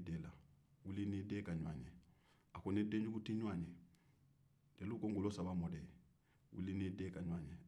n ni denjugu tɛ ɲɔgɔn ye jeliw ko ŋolo saba mɔden wuli i n'i den ka ɲɔgɔn ye